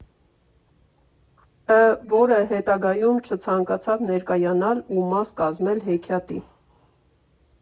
֊ը, որը հետագայում չցանկացավ ներկայանալ ու մաս կազմել հեքիաթի։